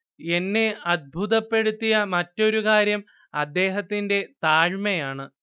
എന്നെ അദ്ഭുതപ്പെടുത്തിയ മറ്റൊരു കാര്യം അദ്ദേഹത്തിന്റെ താഴ്മയാണ്